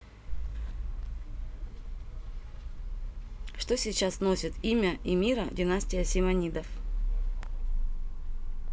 что сейчас носит имя и мира династия саманидов